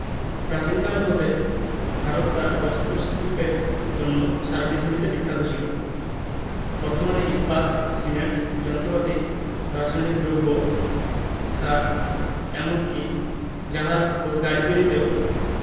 উল্লেখযোগ্য প্রাচীনকাল হতে ভারত তার বস্ত্রশিল্পের জন্য সারা পৃথিবীতে বিখ্যাত ছিল বর্তমানে ইস্পাত সিমেন্ট যন্ত্রপাতি রাসায়নিক দ্রব্য সার এমন কি জাহাজ ও গাড়ি তৈরিতেও